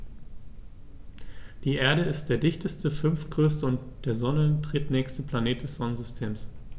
Die Erde ist der dichteste, fünftgrößte und der Sonne drittnächste Planet des Sonnensystems.